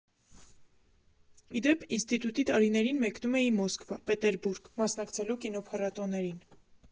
Ի դեպ, ինստիտուտի տարիներին մեկնում էի Մոսկվա, Պետերբուրգ՝ մասնակցելու կինոփառատոներին։